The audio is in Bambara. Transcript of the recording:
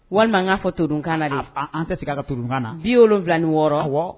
Walima n k'a fɔ todunkan na de, an tɛ segin a kan todunkan na, 76